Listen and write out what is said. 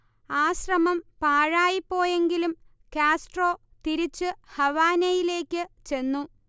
ആ ശ്രമം പാഴായിപോയെങ്കിലും കാസ്ട്രോ തിരിച്ചു ഹവാനയിലേക്കു ചെന്നു